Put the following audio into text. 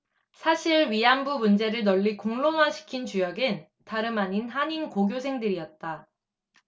사실 위안부 문제를 널리 공론화시킨 주역은 다름아닌 한인고교생들이었다